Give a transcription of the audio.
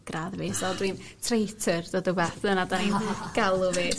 ...gradd fi so dwi'n traitor dyna 'dan ni'n galw fi.